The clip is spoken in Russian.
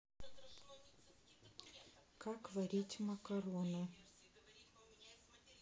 как варить макароны